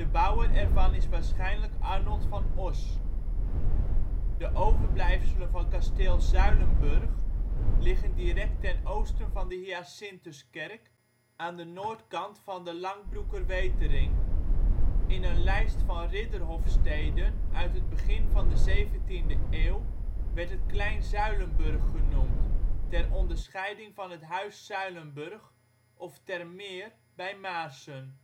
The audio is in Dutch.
bouwer ervan is waarschijnlijk Arnold van Os. De overblijfselen van Kasteel Zuilenburg liggen direct ten oosten van de Hyacinthuskerk aan de noordkant van de Langbroekerwetering. In een lijst van ridderhofsteden uit het begin van de 17de eeuw werd het ' Klein Zuilenburg ' genoemd, ter onderscheiding van het huis Zuilenburg of Ter Meer bij Maarssen